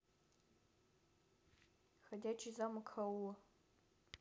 ходячий замок хаула